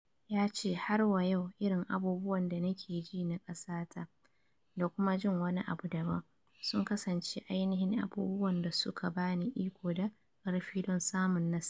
Ya ce: "Har wa yau, irin abubuwan da nake ji na ƙasa ta, da kuma jin wani abu daban, sun kasance ainihin abubuwan da suka ba ni iko da karfi don samun nasara."